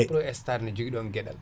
Aprostar ne jogui ɗon gueɗal